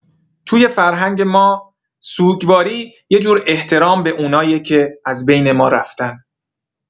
توی فرهنگ ما، سوگواری یه جور احترام به اوناییه که از بین ما رفتن.